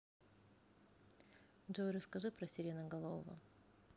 джой расскажи про сиреноголового